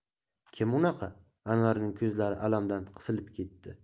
kim unaqa anvarning ko'zlari alam dan qisilib ketdi